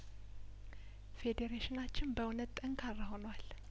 ፌዴሬሽናችን በእውነት ጠንካራ ሆኗል